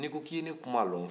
n'i ko k'i ye ne kuma don